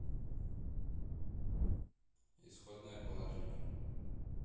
исходное положение